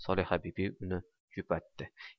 solihabibi uni yupatdi